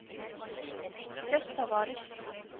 Иптәш-товарищ